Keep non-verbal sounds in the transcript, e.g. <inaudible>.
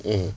<hesitation> <hesitation>